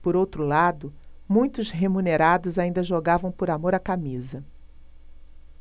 por outro lado muitos remunerados ainda jogavam por amor à camisa